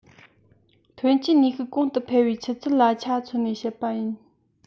ཐོན སྐྱེད ནུས ཤུགས གོང དུ འཕེལ བའི ཆུ ཚད ལ ཆ མཚོན ནས བཤད པ ཡིན